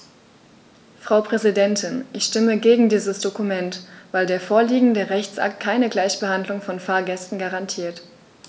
Frau Präsidentin, ich stimme gegen dieses Dokument, weil der vorliegende Rechtsakt keine Gleichbehandlung von Fahrgästen garantiert.